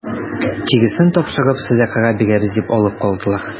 Тиресен тапшырып сәдакага бирәбез дип алып калдылар.